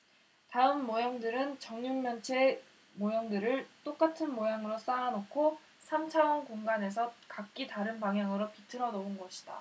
다음 모형들은 정육면체 모형들을 똑같은 모양으로 쌓아놓고 삼 차원 공간에서 각기 다른 방향으로 비틀어 놓은 것이다